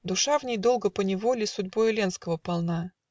Душа в ней долго поневоле Судьбою Ленского полна